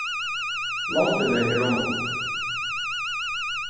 londini eru mong